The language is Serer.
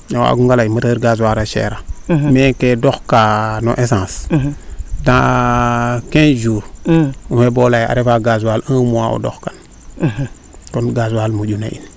ne waago nga ley moteur gazoil a chere a mais kee o dox kaa no essence dans quinze jour mais bo'o leya a refa gazoil un mois o dox kan kon gazoil moƴu na in